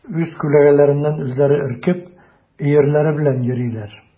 Үз күләгәләреннән үзләре өркеп, өерләре белән йөриләр.